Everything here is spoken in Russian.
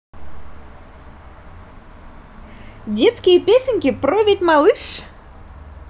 детские песенки про ведь малыш